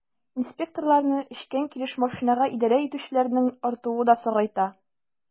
Инспекторларны эчкән килеш машинага идарә итүчеләрнең артуы да сагайта.